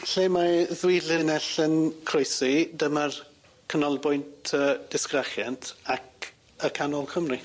Lle mae ddwy linell yn croesi dyma'r canolbwynt yy disgrachiant ac y canol Cymru.